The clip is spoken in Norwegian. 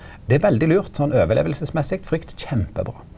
det er veldig lurt sånn overlevingsmessig frykt kjempebra.